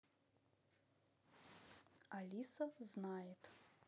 алиса знает